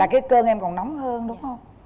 cái cơn em còn nóng hơn đúng hông